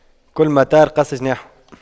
كلما طار قص جناحه